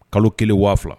Kalo kelen waawula